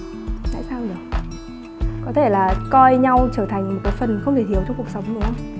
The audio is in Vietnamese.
tại sao nhở có thể là coi nhau trở thành một cái phần không thể thiếu trong cuộc sống đúng không